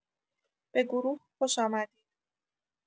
به گروه خوش آمدید